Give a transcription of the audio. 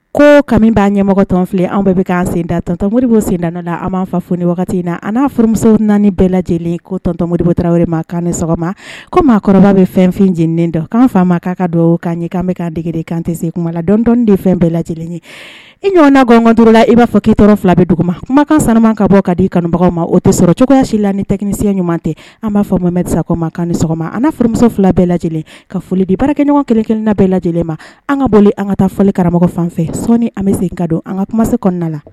Ko kami b'a ɲɛmɔgɔ tɔn filɛ anw bɛɛ bɛ kan senda tɔnonmo bɔ senda la an b'an fa fooni wagati in na an n'auso naani bɛɛ lajɛlen ko tɔntɔnmodi bɔta o ma kan sɔgɔma ko maakɔrɔba bɛ fɛn fɛn jeninen dɔ k' fa ma k'a ka don k'a ɲɛ kan bɛ ka and dege de kante se kuma la dɔntɔnden fɛn bɛɛ lajɛlen ye i ɲɔgɔnna gɔntɔ la i b'a keetɔ fila bɛ dugu ma kumakan sanma ka bɔ ka di i kanubagaw ma o tɛ sɔrɔ cogoyayasi la ni tɛkinikisɛya ɲuman tɛ an b'a fɔ mamɛdsa kɔma kan sɔgɔma an furumuso fila bɛɛ lajɛlen ka foli di baarakɛɲɔgɔn kelen kelenna bɛɛ lajɛlen ma an ka boli an ka taa fɔ karamɔgɔ fanfɛ sɔɔni an bɛ sen ka don an ka kuma se kɔnɔna la